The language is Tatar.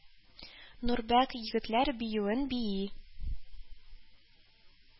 Нурбәк Егетләр биюен бии